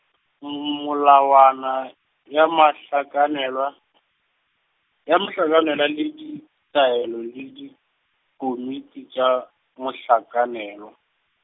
molawana ya mohlakanelwa , ya mohlakanelwa le di, taolo le di, komiti tša, mohlakanelwa.